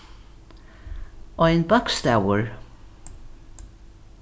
ein bókstavur